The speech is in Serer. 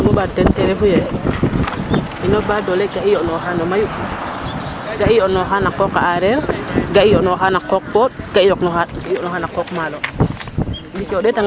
ke bugma ɓaat teen ten refu yee ino baadoala ke ka i yo'nooxaa no mayu ,ka i yo'nooxaa na qooqa aareer ,ga i yo'nooxaa no pooƭ ka, i yo'nooxaa na qooq maalo.